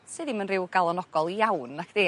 sy ddim yn ryw galonogol iawn nacdi?